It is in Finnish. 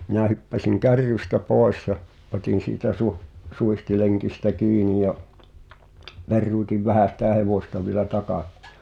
minä hyppäsin kärrystä pois ja otin siitä - suitsilenkistä kiinni ja peruutin vähän sitä hevosta vielä -